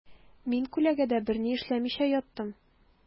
Мин күләгәдә берни эшләмичә яттым.